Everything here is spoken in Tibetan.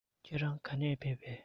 ཁྱེད རང ག ནས ཕེབས པས